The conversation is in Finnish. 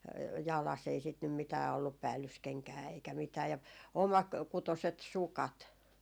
jalassa ei sitä nyt mitään ollut päällyskenkää eikä mitään ja omakutoiset sukat